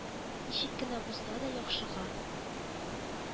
Ничек кенә булса да, яхшыга